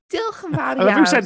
Diolch yn fawr iawn...